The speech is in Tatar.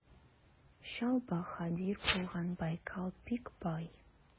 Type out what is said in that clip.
Чал баһадир булган Байкал бик бай.